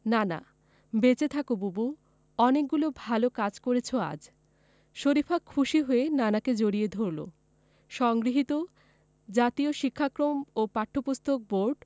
নানা বেঁচে থাকো বুবু অনেকগুলো ভালো কাজ করেছ আজ শরিফা খুশি হয়ে নানাকে জড়িয়ে ধরল সংগৃহীত জাতীয় শিক্ষাক্রম ও পাঠ্যপুস্তক বোর্ড